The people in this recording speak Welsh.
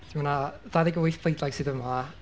Felly ma' 'na ddau ddeg wyth pleidlais sydd yma.